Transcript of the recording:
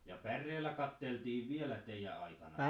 ja päreellä katseltiin vielä teidän aikana